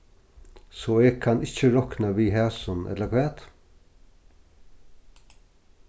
so eg kann ikki rokna við hasum ella hvat